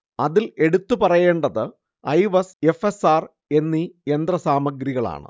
അതിൽ എടുത്തു പറയേണ്ടത് ഐവസ്, എഫ്. എസ്. ആർ എന്നീ യന്ത്ര സാമഗ്രികളാണ്